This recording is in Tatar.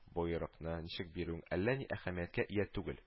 Боерыкны ничек бирүең әллә ни әһәмияткә ия түгел